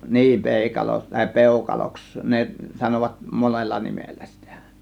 niin peikalo tai peukaloksi ne sanovat monella nimellä sitä